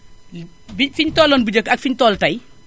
li bi fi ñu tolloon bu njëkk ak fi ñu toll tay